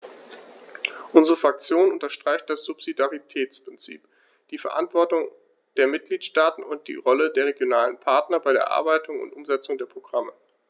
Unsere Fraktion unterstreicht das Subsidiaritätsprinzip, die Verantwortung der Mitgliedstaaten und die Rolle der regionalen Partner bei der Erarbeitung und Umsetzung der Programme.